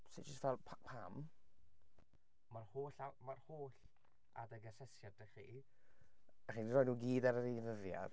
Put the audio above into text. So dwi jyst fel "pa- pam? Ma'r holl aw- ma'r holl adeg asesiad 'da chi a chi 'di rhoi nhw'i gyd ar yr un ddyddiad".